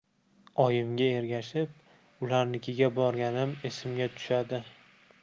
oyimga ergashib ularnikiga borganim esimga tushadi